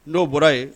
N'o bɔra yen